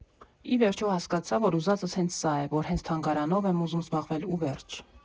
Ի վերջո, հասկացա, որ ուզածս հենց սա է, որ հենց թանգարանով եմ ուզում զբաղվել ու վերջ։